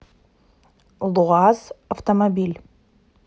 луаз автомобиль